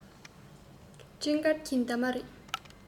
སྤྲིན དཀར གྱི འདབ མ རེད